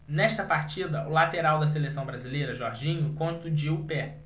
nesta partida o lateral da seleção brasileira jorginho contundiu o pé